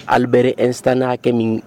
Albert Einstein hakɛ min